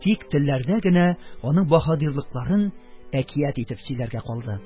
Тик телләрдә генә аның баһадирлыкларын әкият итеп сөйләргә калды.